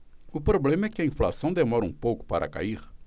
o problema é que a inflação demora um pouco para cair